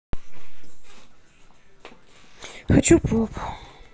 хочу поп